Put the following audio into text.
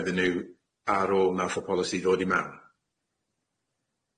iddyn nw ar ôl nath y policy ddod i mewn.